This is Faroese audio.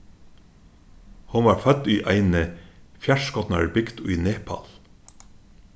hon varð fødd í eini fjarskotnari bygd í nepal